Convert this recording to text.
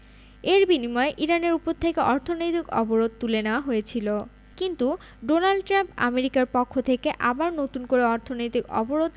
এর বিনিময়ে ইরানের ওপর থেকে অর্থনৈতিক অবরোধ তুলে নেওয়া হয়েছিল কিন্তু ডোনাল্ড ট্রাম্প আমেরিকার পক্ষ থেকে আবার নতুন করে অর্থনৈতিক অবরোধ